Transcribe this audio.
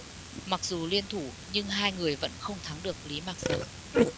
mặc dù liên thủ nhưng hai người vẫn không thắng được lý mạc sầu